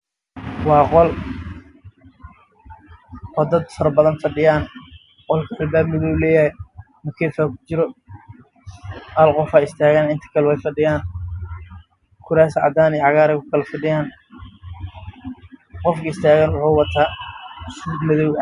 Waa qol oo dad faro badan ku jiraan dad wey fadhiyaan hal qof ah bas ah ayaa istaagan